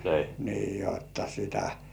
niin jotta sitä